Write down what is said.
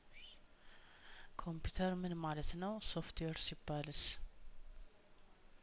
ኮምፒ ተርምን ማለት ነው ሶፍትዌር ሲባል ስ